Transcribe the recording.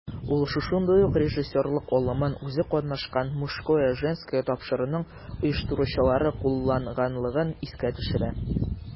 Ул шушындый ук режиссерлык алымын үзе катнашкан "Мужское/Женское" тапшыруының оештыручылары кулланганлыгын искә төшерә.